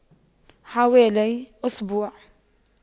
حوالي أسبوع